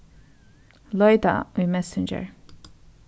leita í messenger